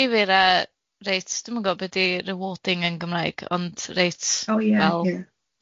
Difyr a reit, dwi'm yn gwbo be' di rewording yn Gymraeg, ond reit... O ie ie...